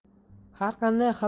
har qanday xato